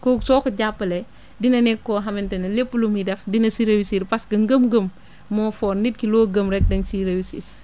kooku soo ko jàppalee dina nekk koo xamante ne lépp lu muy def dina si réussir parce que ngëm-ngëm moo fort nit ki loo gëm rek da nga siy réussir